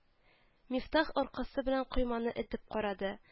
Мифтах аркасы белән койманы этеп карады